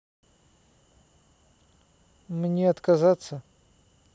мое отказаться